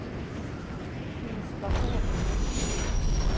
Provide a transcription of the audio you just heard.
инна судакова прямой эфир